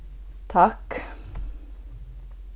takk